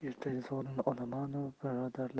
ertaga sovrinni olaman u birodarlar